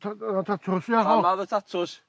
ta- yy tats ia fel... Honna o'dd y tatws.